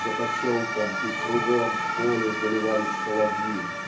за поселком и кругом в поле заливались соловьи.